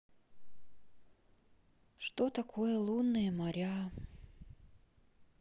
что такое лунные моря